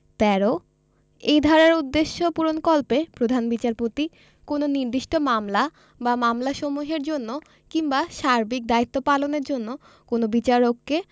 ১৩ এই ধারার উদ্দেশ্য পূরণকল্পে প্রধান বিচারপতি কোন নির্দিষ্ট মামলা বা মামলাসমূহের জন্য কিংবা সার্বিক দায়িত্ব পালনের জন্য কোন বিচারককে